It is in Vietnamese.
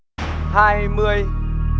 hai mươi